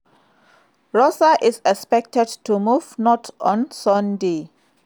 Rosa is expected to move north on Sunday.